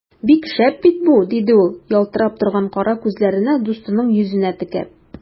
Бик шәп бит бу! - диде ул, ялтырап торган кара күзләрен дустының йөзенә текәп.